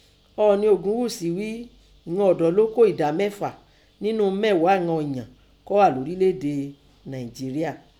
Ọọ̀ni Ògúnghùsì nẹ́ ìghan ọ̀dọ́ lọ́ kó ẹ̀dá mẹ́fà ńnú mẹ́ghàá iye ọ̀ǹyàn kọ́ hà lọ́rílẹ̀ èdè Nànìnjéríà.